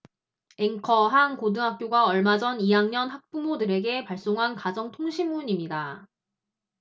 앵커 한 고등학교가 얼마 전 이 학년 학부모들에게 발송한 가정통신문입니다